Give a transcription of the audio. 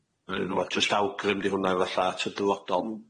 ie wel jyst awgrym di hwnna falla at y dyfodol.